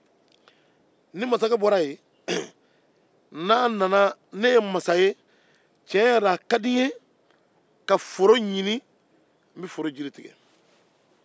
foro jiri bɛ tigɛ ni mun ye